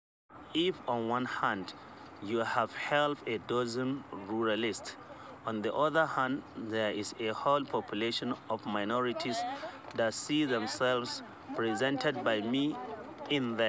If on one hand you have half a dozen ruralists, on the other there is a whole population of minorities that see themselves represented by me in there.